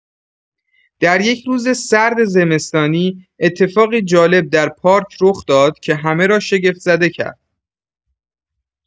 در یک روز سرد زمستانی، اتفاقی جالب در پارک رخ داد که همه را شگفت‌زده کرد.